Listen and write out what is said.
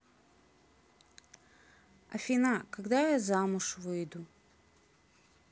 афина когда я замуж выйду